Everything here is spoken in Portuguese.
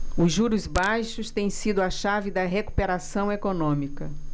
os juros baixos têm sido a chave da recuperação econômica